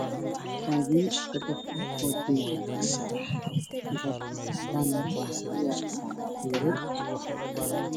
Waa guryo jajab ah waa oo jiigad ah albaabkiisa waa cadaan yaaliin geedad.